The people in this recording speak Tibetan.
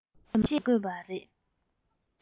བཤད མ དགོས པ རེད